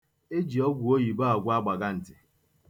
E ji ọgwụ oyibo agwọ agbaganti.